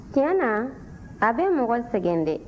tiɲɛ na a bɛ mɔgɔ sɛgɛn dɛ